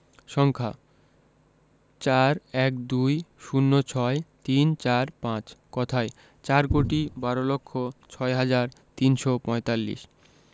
সংখ্যাঃ ৪ ১২ ০৬ ৩৪৫ কথায়ঃ চার কোটি বার লক্ষ ছয় হাজার তিনশো পঁয়তাল্লিশ